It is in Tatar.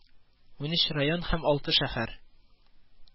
Унөч район һәм алты шәһәр